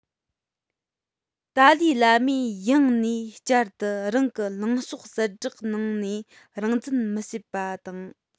ཏཱ ལའི བླ མས ཡང ནས བསྐྱར དུ རང གི ལངས ཕྱོགས གསལ བསྒྲགས གནང ནས རང བཙན མི བྱེད པ དང